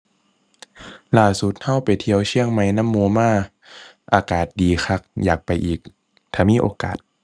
ล่าสุดเราไปเที่ยวเชียงใหม่นำหมู่มา อากาศดีคักอยากไปอีก ถ้ามีโอกาส